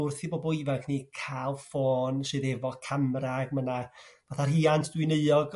wrth i bobol ifanc ni ca'l ffôn sydd efo camra ag ma' 'na... Fath a rhiant dwi'n euog